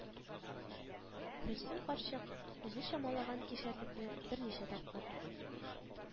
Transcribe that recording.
Гөлсем карчык үзе чамалаган кишәрлекне берничә тапкыр